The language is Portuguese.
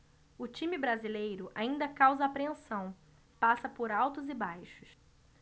o time brasileiro ainda causa apreensão passa por altos e baixos